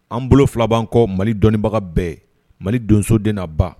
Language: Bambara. An bolo fila' kɔ mali dɔnniibaga bɛɛ mali donso de na ban